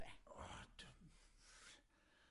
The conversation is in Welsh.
O dw'm ...